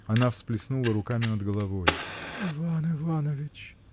Она всплеснула руками над головой. — Иван Иванович!